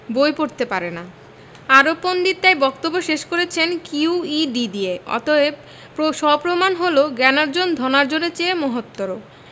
বই পড়তে পারে না আরব পণ্ডিত তাই বক্তব্য শেষ করেছেন কিউ ই ডি দিয়ে অতএব সপ্রমাণ হল জ্ঞানার্জন ধনার্জনের চেয়ে মহত্তর